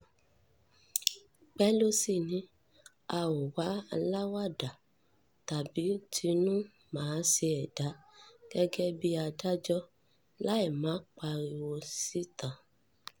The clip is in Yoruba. Pelosi ní “A ‘ò wá aláwàda, tàbí tinú-màáṣe ẹ̀dá gẹ́gẹ́ bí adájọ́, láì má pariwo síta.”